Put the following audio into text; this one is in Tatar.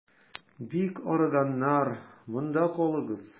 Бик арыганнар, монда калыгыз.